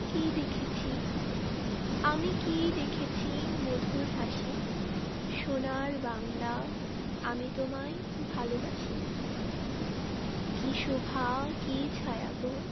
কী দেখেছি আমি কী দেখেছি মধুর হাসি সোনার বাংলা আমি তোমায় ভালোবাসি কী শোভা কী ছায়া গো